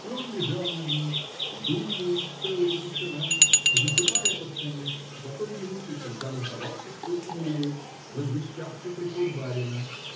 И он лежал на ней и думал целые вечера, засыпая под конец до той минуты, когда раздавался стук в двери, возвещавший приход барина